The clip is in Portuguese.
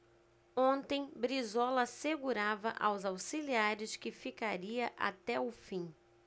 ontem brizola assegurava aos auxiliares que ficaria até o fim